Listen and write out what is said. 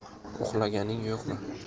uxlaganing yo'qmi